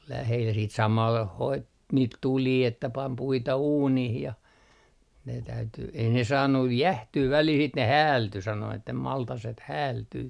oli lähellä sitten samalla hoiti niitä tulia että pani puita uuniin ja ne täytyi ei ne saanut jäähtyä välillä sitten ne häältyi sanoi että maltaset häältyy